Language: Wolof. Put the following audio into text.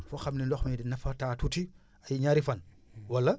foo xam ne ndox mi dina fa taa tuuti si ñaari fan